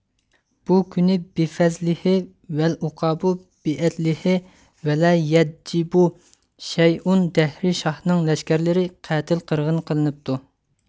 بۇ كۈنى بىفەزلىھې ۋەل ئۇقابۇ بىئەدلىھې ۋەلە يەدجىبۇ شەيئۇن دەھرىي شاھنىڭ لەشكەرلىرى قەتل قىرغىن قىلىنىپتۇ